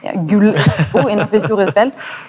gull innanfor historiespel.